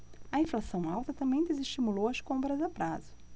a inflação alta também desestimulou as compras a prazo